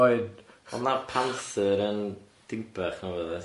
Oedd na panthyr yn Dinbach neu rywbeth oedd?